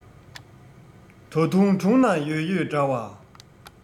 ད དུང དྲུང ན ཡོད ཡོད འདྲ བ